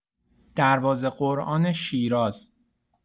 دروازه قرآن شیراز